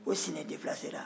ko sinɛ depilasera